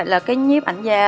là cái nhiếp ảnh gia